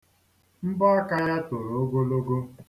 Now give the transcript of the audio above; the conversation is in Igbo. Mbọ aka ya toro ogologo.